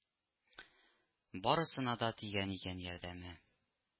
Барысына да тигән икән ярдәме